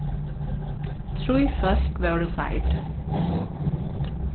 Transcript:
trý fólk vórðu særd